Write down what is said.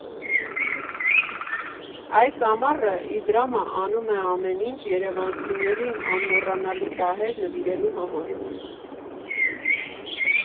Այս ամառ Իդրամը անում է ամեն ինչ՝ երևանցիներին անմոռանալի պահեր նվիրելու համար։